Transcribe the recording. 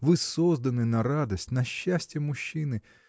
вы созданы на радость, на счастье мужчины